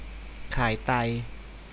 ขายไต